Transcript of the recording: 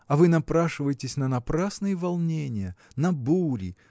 а вы напрашиваетесь на напрасные волнения на бури